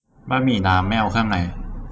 บะหมี่น้ำไม่เอาเครื่องใน